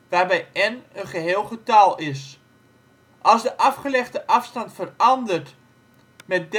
waarbij n een geheel getal is. Als de afgelegde afstand verandert met